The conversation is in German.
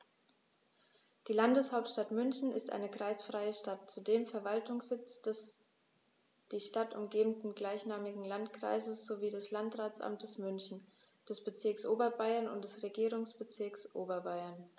Die Landeshauptstadt München ist eine kreisfreie Stadt, zudem Verwaltungssitz des die Stadt umgebenden gleichnamigen Landkreises sowie des Landratsamtes München, des Bezirks Oberbayern und des Regierungsbezirks Oberbayern.